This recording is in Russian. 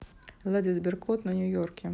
lady сберкот на нью йорке